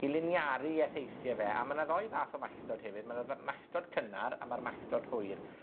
i liniaru i effeithie fe. A ma' 'na ddoi fath o malltod hefyd ma' 'na fa- malltod cynnar a ma'r malltod hwyr.